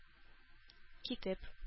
Китеп